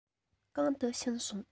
གང དུ ཕྱིན སོང